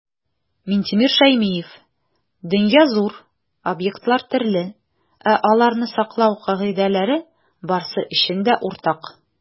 Минтимер Шәймиев: "Дөнья - зур, объектлар - төрле, ә аларны саклау кагыйдәләре - барысы өчен дә уртак".